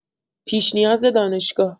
پیش‌نیاز دانشگاه